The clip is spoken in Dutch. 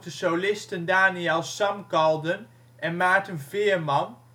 solisten Daniël Samkalden en Maarten Veerman